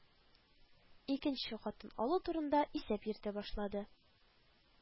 Икенче хатын алу турында исәп йөртә башлады